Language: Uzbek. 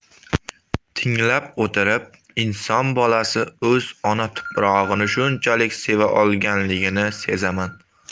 tinglab o'tirib inson bolasi o'z ona tuprog'ini shunchalik seva olganligini sezaman